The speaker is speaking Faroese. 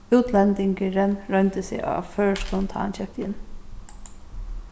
útlendingurin royndi seg á føroyskum tá hann keypti inn